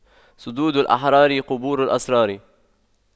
صدور الأحرار قبور الأسرار